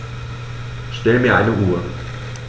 Stell mir eine Uhr.